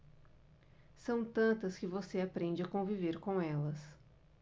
são tantas que você aprende a conviver com elas